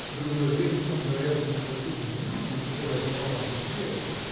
В другое время он, вероятно, не обратил бы внимания на такое маловажное дело